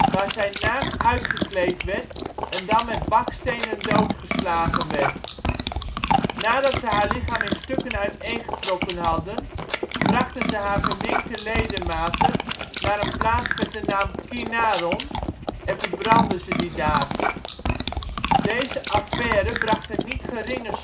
waar zij naakt uitgekleed werd en dan met bakstenen doodgeslagen werd. Nadat ze haar lichaam in stukken uiteen getrokken hadden, brachten ze haar verminkte ledematen naar een plaats met de naam Kinaron en verbrandden ze die daar. Deze affaire bracht een niet geringe smet